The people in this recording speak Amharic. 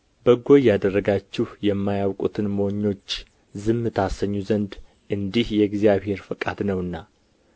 በጎ እያደረጋችሁ የማያውቁትን ሞኞች ዝም ታሰኙ ዘንድ እንዲህ የእግዚአብሔር ፈቃድ ነውና